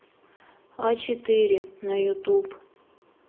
а четыре на ютуб